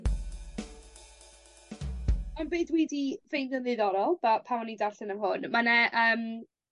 On' be' dwi 'di ffeindio'n ddiddorol fel pan o'n i darllen y hwn ma' 'na yym